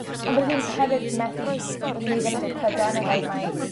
On' bydde fi hefyd methu byddwn i ddim yn deud Prydain oherwydd mae